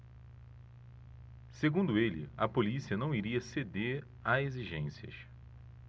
segundo ele a polícia não iria ceder a exigências